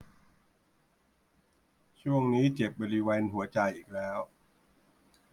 ช่วงนี้เจ็บบริเวณหัวใจอีกแล้ว